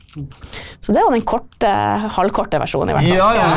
så det var den korte halvkorte versjonen i hvert fall.